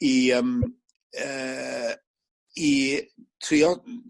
i yym yy i trio